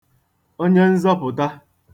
onye nzọpụta